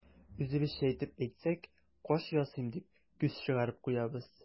Үзебезчә итеп әйтсәк, каш ясыйм дип, күз чыгарып куябыз.